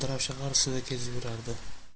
sudrab shahar ustida kezib yurardi